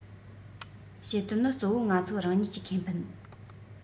བྱེད དོན ནི གཙོ བོ ང ཚོ རང ཉིད ཀྱི ཁེ ཕན